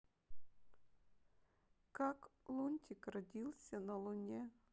как лунтик родился на луне